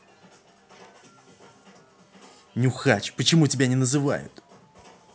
нюхач почему тебя не называют